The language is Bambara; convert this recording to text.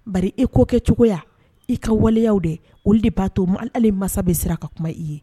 Ba e ko kɛ cogoya i ka waleya de o de b'a to ma ale masa bɛ siran ka kuma i ye